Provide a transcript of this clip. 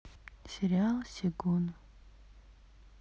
сериал сегун